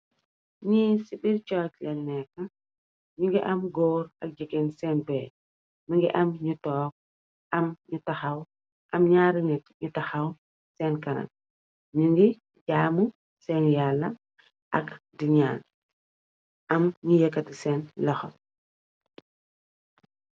Byi si birr church bi lange nekah mungi am goor ak jigeen sen birr mungi am nyu tok am nyu takhaw am nyarri nit nyu takhaw sen kanam nyunge jamu yallah ak di nyan am nyu eketi sen luxho